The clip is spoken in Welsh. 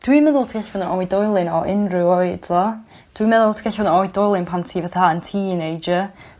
Dwi'n meddwl ti ellu fyn' yn oedoilyn o unryw oed tho dwi'n meddwl ti gallu fod y' oedolyn pan ti fatha yn teenager